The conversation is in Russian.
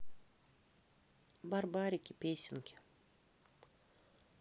барбарики песенки